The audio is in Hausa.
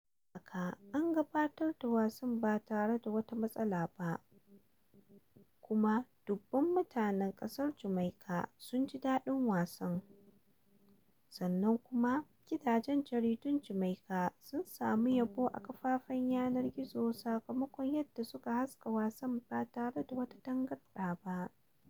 Duk da haka, an gabatar da wasan ba tare da wata matsala ba, kuma dubunnan mutanen ƙasar Jamaika sun ji daɗin wasan, sannan kuma gidajen jaridun Jamaika sun samu yabo a kafafen yanar gizo sakamakon yadda suka haska wasan ba tare da wata tangarɗa ba.